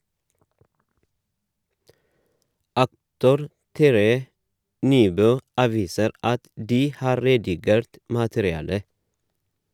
Aktor Terje Nybøe avviser at de har redigert materiale.